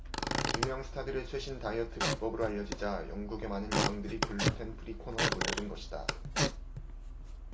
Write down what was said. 유명 스타들의 최신 다이어트 비법으로 알려지자 영국의 많은 여성들이 글루텐 프리 코너에 몰려든 것이다